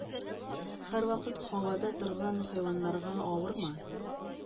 Һәрвакыт һавада торган хайваннарга авырмы?